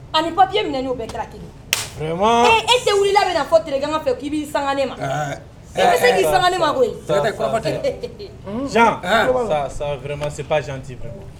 Ani ni papiye minɛ n'o bɛɛ ee ese wulila bɛna fɔ tilegan fɛ k'i'i san ma san ma koyi sanma se janti